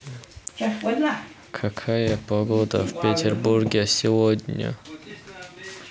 какая погода в петербурге сегодня